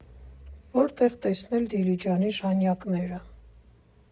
Որտեղ տեսնել Դիլիջանի ժանյակները։